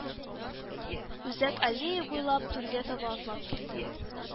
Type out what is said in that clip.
Үзәк аллея буйлап түргә таба атлап киттем